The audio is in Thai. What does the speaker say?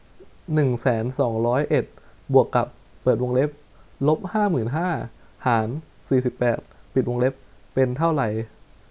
หนึ่งแสนสองร้อยเอ็ดบวกกับเปิดวงเล็บลบห้าหมื่นห้าหารสี่สิบแปดปิดวงเล็บเป็นเท่าไร